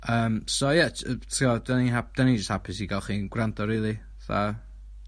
Yym so ie t- t'wod 'dan ni'n hap- 'dan ni jyst hapus i ga'l chi'n gwrando rili 'tha